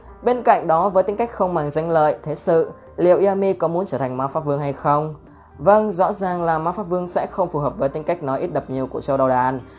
bên cạnh đó với tính cách không màng danh lợi thế sự liệu yami có muốn trở thành mpv hay không vâng rõ ràng là mpv sẽ không phù hợp với tính cách nói ít đập nhiều của trâu đầu đàn